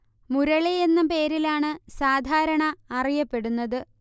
മുരളി എന്ന പേരിലാണ് സാധാരണ അറിയപ്പെടുന്നത്